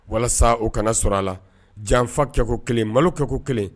Walasa o kana sɔrɔ a la, janfakɛko1 malokɛko 1.